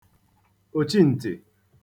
òchiǹtị̀